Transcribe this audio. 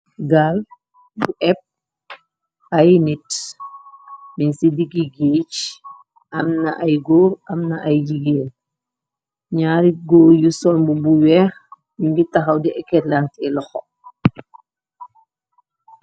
Gaal bu épp ay nit min ci diggi géej am na ay góor am na ay jigéer ñaari goor yu solmb bu weex ngi taxaw di eketlarté loxo.